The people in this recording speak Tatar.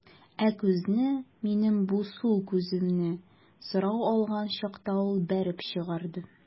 Ә күзне, минем бу сул күземне, сорау алган чакта ул бәреп чыгарды.